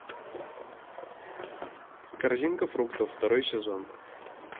корзинка фруктов второй сезон